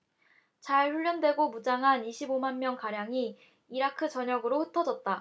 잘 훈련되고 무장한 이십 오 만 명가량이 이라크 전역으로 흩어졌다